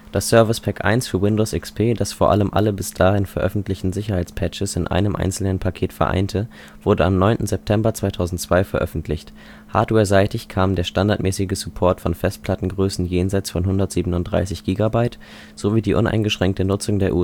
Das Service Pack 1 für Windows XP, das vor allem alle bis dahin veröffentlichten Sicherheitspatches in einem einzelnen Paket vereinte, wurde am 9. September 2002 veröffentlicht. Hardwareseitig kamen der standardmäßige Support von Festplattengrößen jenseits von 137 GB sowie die uneingeschränkte Nutzung der